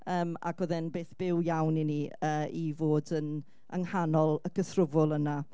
yym ac oedd e'n beth byw iawn i ni i fod yn yng nghanol y cythrwbwl yna.